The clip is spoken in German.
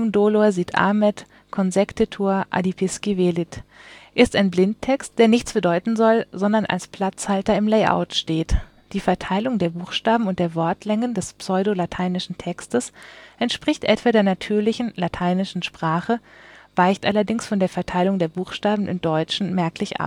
dolor sit amet, consectetur, adipisci velit … “ist ein Blindtext, der nichts bedeuten soll, sondern als Platzhalter im Layout steht. Die Verteilung der Buchstaben und der Wortlängen des (pseudo -) lateinischen Textes entspricht etwa der natürlichen (lateinischen) Sprache, weicht allerdings von der Verteilung der Buchstaben im Deutschen merklich